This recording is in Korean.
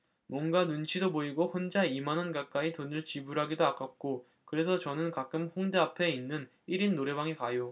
뭔가 눈치도 보이고 혼자 이 만 원 가까이 돈을 지불하기도 아깝고 그래서 저는 가끔 홍대앞에 있는 일 인 노래방에 가요